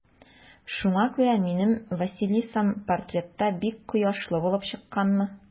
Шуңа күрә минем Василисам портретта бик кояшлы булып чыкканмы?